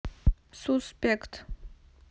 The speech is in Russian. suspect